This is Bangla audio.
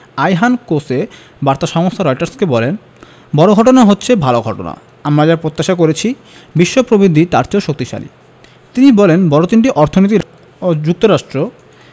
আয়হান কোসে বার্তা সংস্থা রয়টার্সকে বলেন বড় ঘটনা হচ্ছে ভালো ঘটনা আমরা যা প্রত্যাশা করেছি বিশ্ব প্রবৃদ্ধি তার চেয়েও শক্তিশালী তিনি বলেন বড় তিনটি অর্থনীতি যুক্তরাষ্ট্র